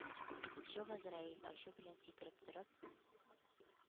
Чү, газраил, ачу белән сикереп торып,